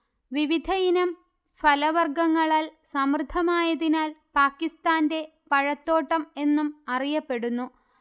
വിവിധയിനം ഫലവർഗങ്ങളാൽ സമൃദ്ധമായതിനാൽ പാകിസ്താന്റെ പഴത്തോട്ടം എന്നും അറിയപ്പെടുന്നു